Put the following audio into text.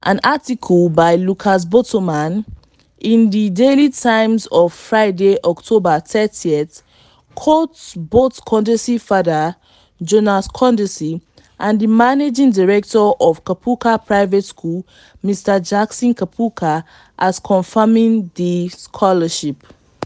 An article by Lucas Bottoman in The Daily Times of Friday October 30th quotes both Kondesi's father, Jonas Kondesi, and the Managing Director of Kaphuka Private Schools, Mr. Jackson Kaphuka, as confirming the scholarship.